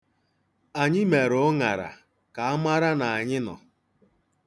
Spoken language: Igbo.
Anyị mere ụṅara ka a mara na anyị nọ.